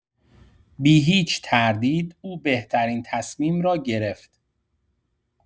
بی‌هیچ تردید، او بهترین تصمیم را گرفت.